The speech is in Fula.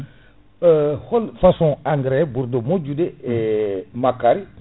hol façon engrain ɓurɗo moƴƴude e makkari